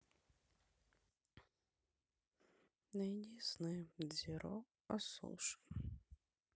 найди сны дзиро о суши